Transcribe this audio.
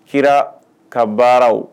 Kira ka baaraw